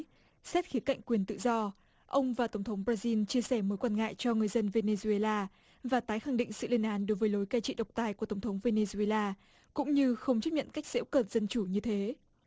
xét khía cạnh quyền tự do ông và tổng thống ra gin chia sẻ mối quan ngại cho người dân vê nê gê la và tái khẳng định sự lên án đối với lối cai trị độc tài của tổng thống vê nê gê la cũng như không chấp nhận cách giễu cợt dân chủ như thế